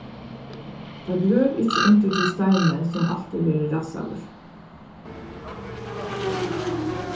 tað grør ikki undir tí steini sum altíð verður rassaður